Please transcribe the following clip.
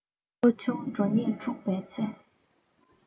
བློ ཆུང གྲོས ཉེས འཁྲུགས པའི ཚེ